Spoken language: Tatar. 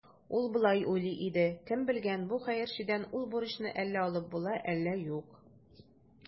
Ул болай уйлый иде: «Кем белгән, бу хәерчедән ул бурычны әллә алып була, әллә юк".